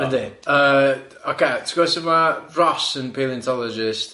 Yndi yy ocê ti'n gwbod sut ma' Ross yn paleontologist?